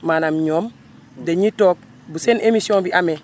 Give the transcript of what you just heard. maanaam ñoom dañiy toog bu seen émisqsion bi amee